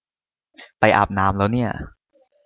ไปอาบน้ำแล้วเนี่ย